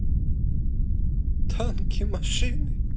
танки машины